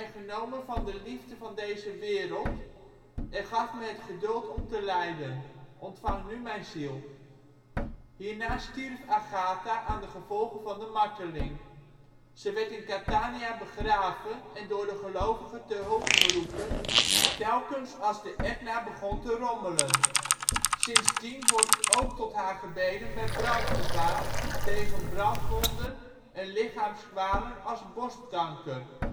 genomen van de liefde van deze wereld, en gaf me het geduld om te lijden: Ontvang nu mijn ziel! " Hierna stierf Agatha aan de gevolgen van de marteling. Ze werd in Catania begraven en door de gelovigen te hulp geroepen telkens als de Etna begon te rommelen. Sindsdien wordt ook tot haar gebeden bij brandgevaar, tegen brandwonden en lichaamskwalen als borstkanker